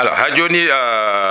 ha joni